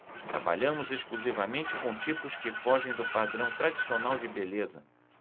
trabalhamos exclusivamente com tipos que fogem do padrão tradicional de beleza